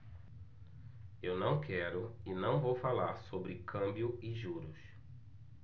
eu não quero e não vou falar sobre câmbio e juros